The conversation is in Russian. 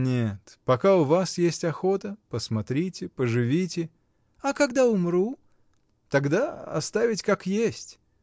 — Нет, пока у вас есть охота — посмотрите, поживите. — А когда умру? — Тогда. оставить как есть.